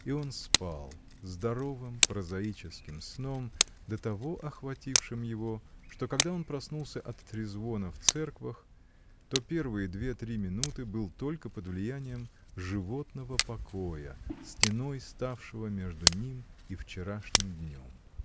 И он спал здоровым прозаическим сном, до того охватившим его, что когда он проснулся от трезвона в церквах, то первые две-три минуты был только под влиянием животного покоя, стеной ставшего между им и вчерашним днем.